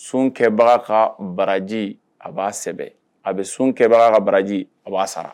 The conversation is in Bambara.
Sun kɛbaga ka baraji a b'a sɛbɛ a bɛ sun kɛbaga ka baraji a b'a sara